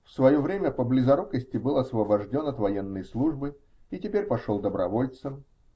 В свое время, по близорукости был освобожден от военной службы и теперь пошел добровольцем.